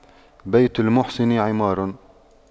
بيت المحسن عمار